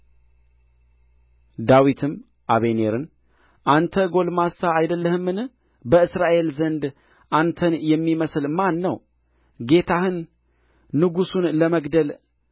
ዳዊትም አበኔርን አንተ ጕልማሳ አይደለህምን በእስራኤል ዘንድ አንተን የሚመስል ማን ነው ጌታህን ንጉሡን ለመግደል